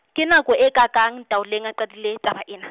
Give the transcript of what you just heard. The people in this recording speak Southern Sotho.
ke nako e kaakang Ntaoleng a qadile, taba ena?